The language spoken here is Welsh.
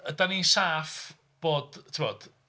Ydan ni'n saff bod, ti'mod...